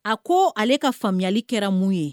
A ko ale ka faamuyali kɛra mun ye